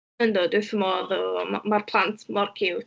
Yndw dwi wrth fy modd. O ma' ma'r plant mor ciwt.